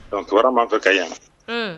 Donc kibaruya min b'an fɛ Kayi yan. Un!